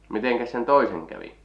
mitenkäs sen toisen kävi